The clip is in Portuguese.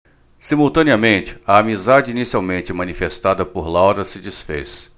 simultaneamente a amizade inicialmente manifestada por laura se disfez